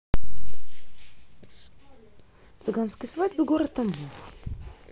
цыганские свадьбы город тамбов